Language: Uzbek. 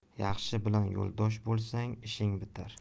yaxshi bilan yo'ldosh bo'lsang ishing bitar